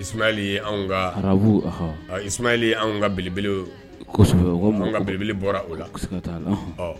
Isumayɛli ye anw ka belebele ye. An ka belebele bɔra o la.